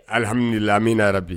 Alihamdu lammina ara bi